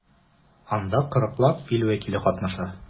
Анда 40 лап ил вәкиле катнаша.